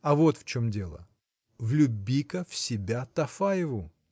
А вот в чем дело: влюби-ка в себя Тафаеву.